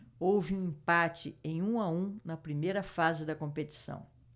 houve empate em um a um na primeira fase da competição